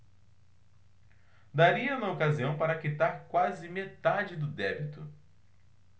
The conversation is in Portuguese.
daria na ocasião para quitar quase metade do débito